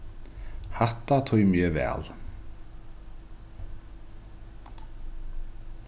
hatta tími eg væl